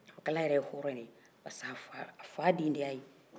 ɲamakala yɛrɛ ye hɔrɔn de ye barisa a fa den de y'a ye